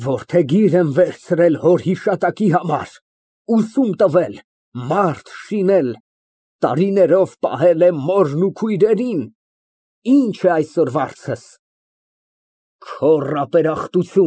Որդեգիր եմ վերցրել հոր հիշատակի համար, ուսում տվել, մարդ շինել, տարիներով պահել եմ մորն ու քույրերին, ի՞նչ է այսօր վարձս։ ֊ Քոռ ապերախտություն։